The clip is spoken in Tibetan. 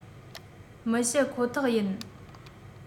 མི བཤད ཁོ ཐག ཡིན